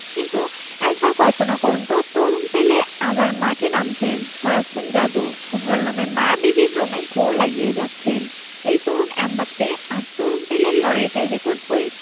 কিন্তু একবার কল্পনা করুন তো তরুণ পেলে আবার মাঠে নামছেন ছড়াচ্ছেন জাদু ফুটবল নামের মায়াবী বিভ্রমে ঘোর লাগিয়ে যাচ্ছেন এই তরুণ এমবাপ্পে আর তরুণ পেলের লড়াইটা রেকর্ড বই